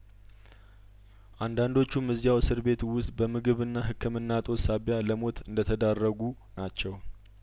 አንዳንዶቹም እዚያው እስር ቤት ውስጥ በምግብና ህክምና እጦት ሳቢያለሞት እንደተዳረጉ ናቸው